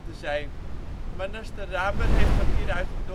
zijn. Manaster Ramer heeft van hieruit